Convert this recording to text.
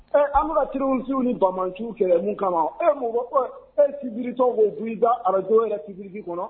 Ɛ an be ka terroriste w ni banbaanciw kɛlɛ min kama o e mun ko ko e civil tɔ b'o bu i da radio yɛrɛ public kɔnɔ